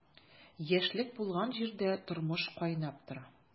Яшьлек булган җирдә тормыш кайнап тора.